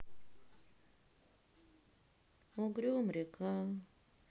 угрюм река